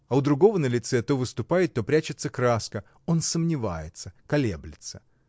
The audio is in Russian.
А у другого на лице то выступает, то прячется краска — он сомневается, колеблется.